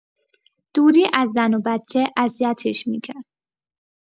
دوری از زن و بچه اذیتش می‌کرد.